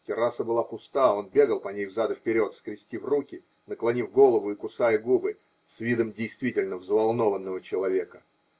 Терраса была пуста, он бегал по ней взад и вперед, скрестив руки, наклонив голову и кусая губы, с видом действительно взволнованного человека.